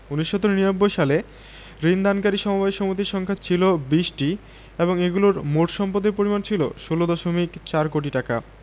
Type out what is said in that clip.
১৯৯৯ সালে ঋণ দানকারী সমবায় সমিতির সংখ্যা ছিল ২০টি এবং এগুলোর মোট সম্পদের পরিমাণ ছিল ১৬ দশমিক ৪ কোটি টাকা